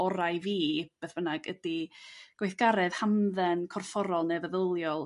orau i fi beth bynnag ydy gweithgaredd hamdden, corfforol, ne' feddyliol